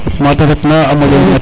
mata ret na a moƴa nin